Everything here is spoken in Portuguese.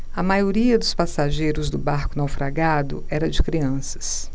a maioria dos passageiros do barco naufragado era de crianças